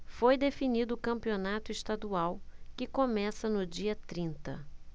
foi definido o campeonato estadual que começa no dia trinta